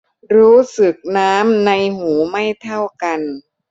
รู้สึกน้ำในหูไม่เท่ากัน